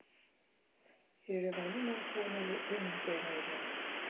Երևանում եմ թողնելու իմ ընկերներին։